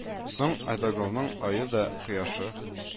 Соң айдаголның ае да, кояшы